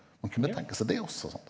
man kunne tenke seg det også sant?